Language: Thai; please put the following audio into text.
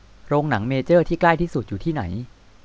โรงหนังเมเจอร์ที่ใกล้ที่สุดอยู่ที่ไหน